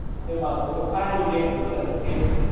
nhưng mà phối hợp ba bệnh viện thì đúng là lần đầu tiên